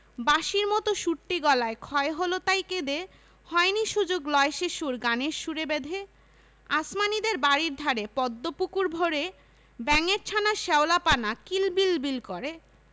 বাঁশির মতো সুরটি গলায় ক্ষয় হল তাই কেঁদে হয়নি সুযোগ লয় সে সুর গানের সুরে বেঁধে আসমানীদের বাড়ির ধারে পদ্ম পুকুর ভরে ব্যাঙের ছানা শ্যাওলা পানা কিল বিল বিল করে